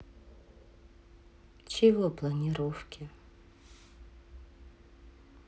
чего планировки